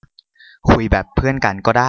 คุยแบบเพื่อนกันก็ได้